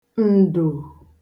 ǹdò